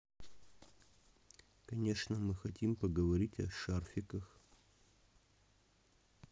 конечно мы хотим поговорить о шарфиках